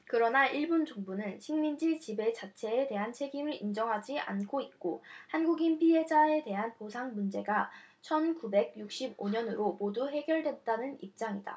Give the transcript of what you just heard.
그러나 일본 정부는 식민지 지배 자체에 대한 책임을 인정하지 않고 있고 한국인 피해자에 대한 보상 문제가 천 구백 육십 오 년으로 모두 해결됐다는 입장이다